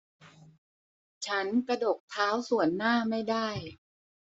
ฉันกระดกเท้าส่วนหน้าไม่ได้